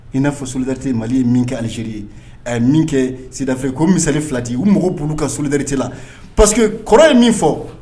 I n'a fɔ sodte mali ye min kɛ aliseri ye min kɛ sidada fɛ ko misari filati u mako bolo ka sod tɛ la pa kɔrɔ ye min fɔ